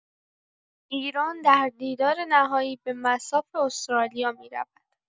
ایران در دیدار نهایی به مصاف استرالیا می‌رود.